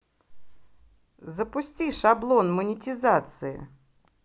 запусти шаблон монетизации